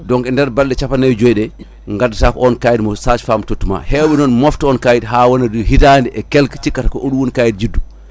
donc e nder balɗe capanɗe nayyi e joyyi ɗe gaddata ko on kayit mo sage femme tottuma hewɓe noon mofta on kayit ha wona hitande e quelque cikkata ko oɗo woni kayit juddu